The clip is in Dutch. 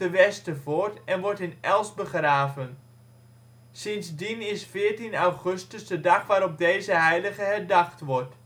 Westervoort en wordt in Elst begraven. Sindsdien is 14 augustus de dag waarop deze heilige herdacht wordt